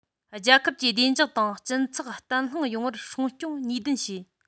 རྒྱལ ཁབ ཀྱི བདེ འཇགས དང སྤྱི ཚོགས བརྟན ལྷིང ཡོང བར སྲུང སྐྱོང ནུས ལྡན བྱས